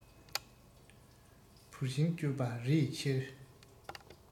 བུར ཤིང གཅོད པ རི ཡི ཕྱིར